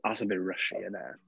That's a bit rushy, innit?